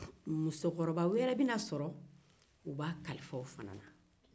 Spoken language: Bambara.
musokɔrɔba wɛrɛ bɛna sɔrɔ u b'a kalifa o fana ne